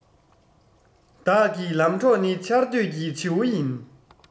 བདག གི ལམ གྲོགས ནི ཆར སྡོད ཀྱི བྱེའུ ཡིན